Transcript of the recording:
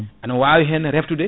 ene wawi hen reftude